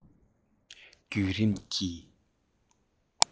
རྒྱུད རིམ གྱི